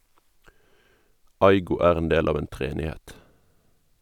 Aygo er en del av en treenighet.